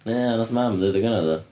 Ie ond nath mam deud o gyna do?